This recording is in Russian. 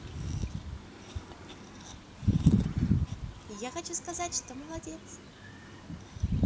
я хочу сказать что молодец